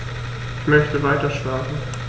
Ich möchte weiterschlafen.